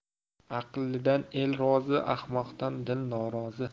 aqllidan el rozi ahmoqdan dil norozi